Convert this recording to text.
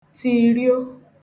tìtrio